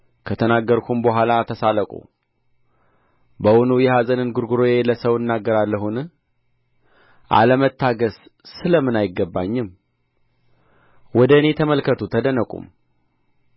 ከተናገርሁም በኋላ ተሳለቁ በውኑ የኀዘን እንጉርጕሮዬ ለሰው እናገራለሁን አለመታገሥ ስለ ምን አይገባኝም ወደ እኔ ተመልከቱ ተደነቁም